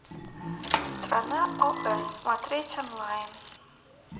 страна оз смотреть онлайн